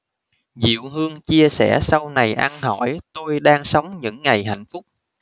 diệu hương chia sẻ sau ngày ăn hỏi tôi đang sống những ngày hạnh phúc